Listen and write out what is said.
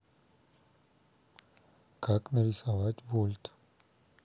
как нарисовать вольт